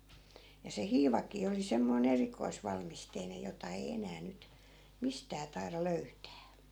ja se hiivakin oli semmoinen erikoisvalmisteinen jota ei enää nyt mistään taida löytää